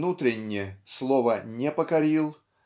внутренне слова не покорил